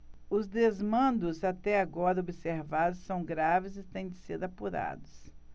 os desmandos até agora observados são graves e têm de ser apurados